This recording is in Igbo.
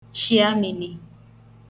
chịa minī